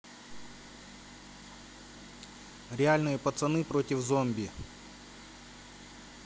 реальные пацаны против зомби